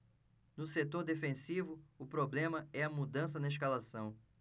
no setor defensivo o problema é a mudança na escalação